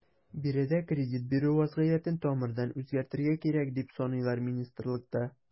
Биредә кредит бирү вәзгыятен тамырдан үзгәртергә кирәк, дип саныйлар министрлыкта.